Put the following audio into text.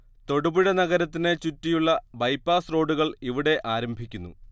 തൊടുപുഴ നഗരത്തിനെ ചുറ്റിയുള്ള ബൈപാസ് റോഡുകൾ ഇവിടെ ആരംഭിക്കുന്നു